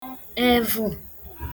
evụ̄